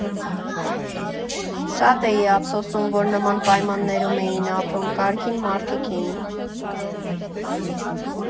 Շատ էի ափսոսում, որ նման պայմաններում էին ապրում՝ կարգին մարդիկ էին։